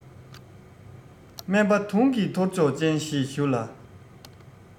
སྨན པ དུང གི ཐོར ཅོག ཅན ཞེས ཞུ ལ